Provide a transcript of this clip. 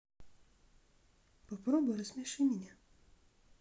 попробуй рассмеши меня